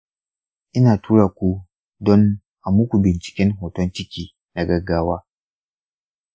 ina tura ku don a muku binciken hoton ciki na gaggawa